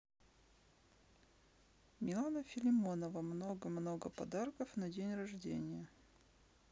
милана филимонова много много подарков на день рождения